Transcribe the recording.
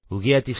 Үги әтисе аны